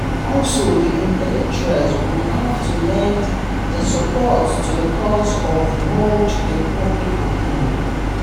Also, the intellectuals would have to lend their support to the cause to mold the public opinion.